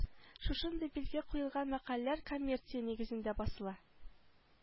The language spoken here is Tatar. Шушындый билге куелган мәкаләләр коммерция нигезендә басыла